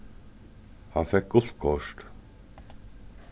hann fekk gult kort